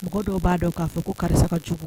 Mɔgɔw dɔw b'a dɔn k'a fɛ ko karisa jugu